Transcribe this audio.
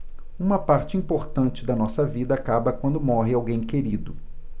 uma parte importante da nossa vida acaba quando morre alguém querido